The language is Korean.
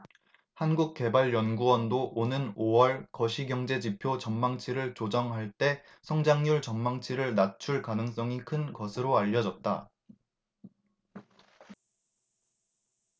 한국개발연구원도 오는 오 월 거시경제지표 전망치를 조정할 때 성장률 전망치를 낮출 가능성이 큰 것으로 알려졌다